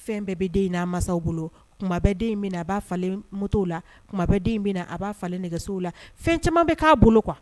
Fɛn bɛɛ bɛ den in n'a mansaw bolo kuma bɛɛ den in bɛ a b'a falenle mu la kuma bɛɛ den bɛ a b'a falen nɛgɛw la fɛn caman bɛ k'a bolo kuwa